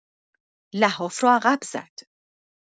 لحاف را عقب زد.